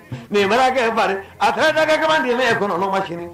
Ninkɛ a fɛn dakɛ kamalen de ne kɔnɔ' ma sini